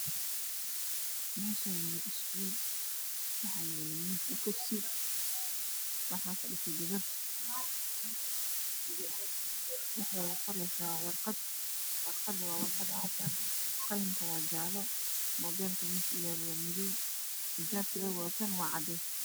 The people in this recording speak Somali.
Halkan waa fasal wax fadhiyo hagbar kalar eey watan waa cades waxey gacant kuhayan buug iyo qalin waxaa masha yalo mis iyo kurasman oo kalar kode yahay dahabi